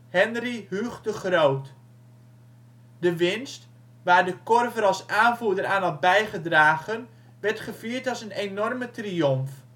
Henri " Huug " de Groot. De winst, waar De Korver als aanvoerder aan had bijgedragen, werd gevierd als een enorme triomf